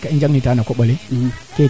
mais o qol fo o qoloo de